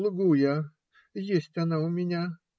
Лгу я, есть она у меня!